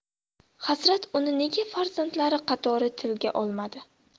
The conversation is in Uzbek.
hazrat uni nega farzandlari qatori tilga olmadi